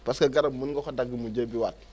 parce que garab mun nga ko dagg mu jébbiwaat